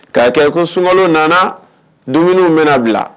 Ka kɛ ko sunkolo nana dumuniw bi na bila.